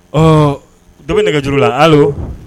Ɔ dɔ nɛgɛj juru la hali